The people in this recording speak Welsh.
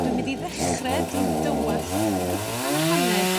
Dwi'n mynd i ddechre drw dywallt cwpan a hanner